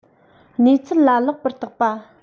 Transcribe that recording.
ནས ཚུལ ལ ལེགས པར བརྟགས པ